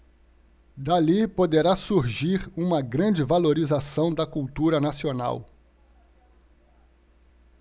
dali poderá surgir uma grande valorização da cultura nacional